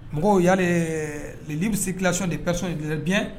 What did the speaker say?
Mɔgɔw' li bɛ se kilati de kisɔn de dun